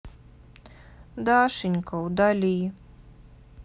дашенька удали